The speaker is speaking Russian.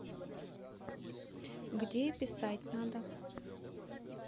где писать надо